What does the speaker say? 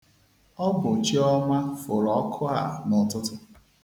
Ọ bụ Chiọma fụrụ ọkụ a n'ụtụtụ.